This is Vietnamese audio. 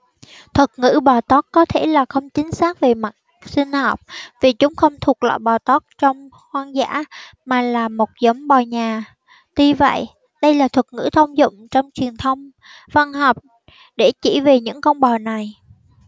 thuật ngữ bò tót có thể là không chính xác về mặt sinh học vì chúng không thuộc loài bò tót trong hoang dã mà là một giống bò nhà tuy vậy đây là thuật ngữ thông dụng trong truyền thông văn học để chỉ về những con bò này